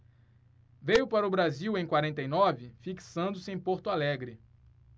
veio para o brasil em quarenta e nove fixando-se em porto alegre